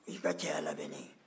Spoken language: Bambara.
o y'i ka cɛya labɛnnen ye